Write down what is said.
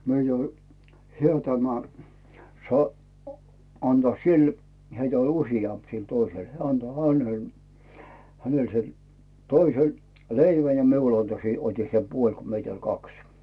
me jo hän tämä - antaa sille heitä oli useampi sillä toisella hän antoi hänelle hänelle sen toisen leivän ja minulle antoi sen otin sen puoli kun meitä oli kaksi